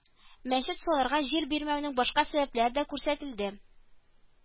Мәчет салырга җир бирмәүнең башка сәбәпләре дә күрсәтелде